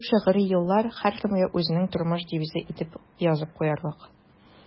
Бу шигъри юллар һәркемгә үзенең тормыш девизы итеп язып куярлык.